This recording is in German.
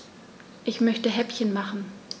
Ich möchte Häppchen machen.